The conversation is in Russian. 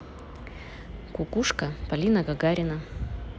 кукушка полина гагарина